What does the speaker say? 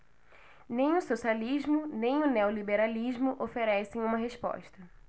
nem o socialismo nem o neoliberalismo oferecem uma resposta